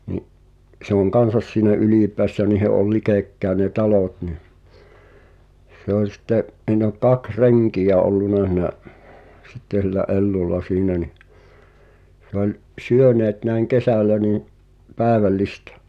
niin se on kanssa siinä Ylipäässä niiden oli lähekkäin ne talot niin se oli sitten siinä oli kaksi renkiä ollut siinä sitten sillä Ellulla siinä niin se oli syöneet näin kesällä niin päivällistä